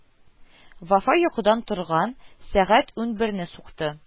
Вафа йокыдан торганда, сәгать унберне сукты